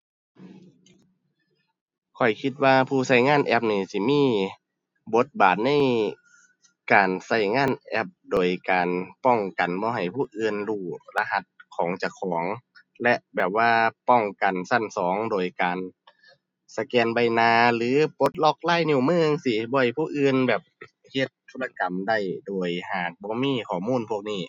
ข้อยคิดว่าผู้ใช้งานแอปนี่สิมีบทบาทในการใช้งานแอปโดยการป้องกันบ่ให้ผู้อื่นรู้รหัสของเจ้าของ และแบบว่าป้องกันใช้สองโดยการสแกนใบหน้าหรือปลดล็อกลายนิ้วมือจั่งซี้ บ่ให้ผู้อื่นแบบเฮ็ดธุรกรรมได้โดยหากบ่มีข้อมูลพวกนี้